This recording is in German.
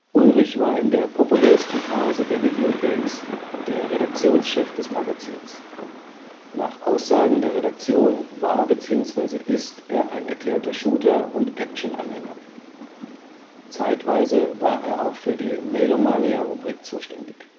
Ulrich Ulrich war in der populärsten Phase der Video Games der Redaktions-Chef des Magazins. Nach Aussagen der Redaktion war/ist er ein erklärter Shooter -& Action-Anhänger. Zeitweise war er auch für die „ Mail o Mania “- Rubrik zuständig